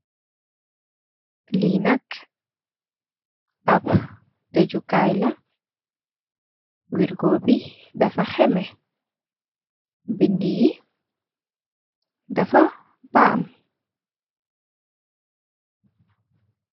Lee nak ab tejukayla werrgo be dafa heme bede yee dafa pamm.